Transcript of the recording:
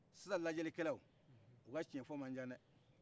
sisan lajɛlikɛlaw u ka tiɲa fɔ man ca dɛhh